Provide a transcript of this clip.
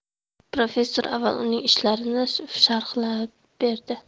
professor avval uning ishlarini sharhlab berdi